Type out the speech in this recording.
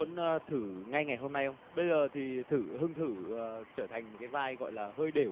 muốn ơ thử ngay ngày hôm nay hông bây giờ thì thử hưng thử trở thành một cái vai gọi là hơi đểu